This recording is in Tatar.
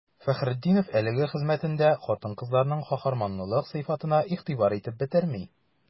Фәхретдинов әлеге хезмәтендә хатын-кызларның каһарманлылык сыйфатына игътибар итеп бетерми.